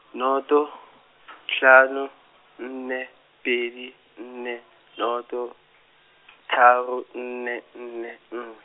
noto , hlano, nne, pedi, nne , noto, tharo, nne nne nngwe.